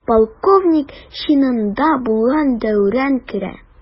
Полковник чинында булган Дәүран керә.